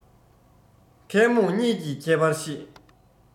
མཁས རྨོངས གཉིས ཀྱི ཁྱད པར ཤེས